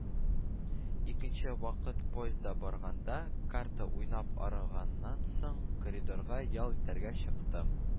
Икенче вакыт поездда барганда, карта уйнап арыганнан соң, коридорга ял итәргә чыктым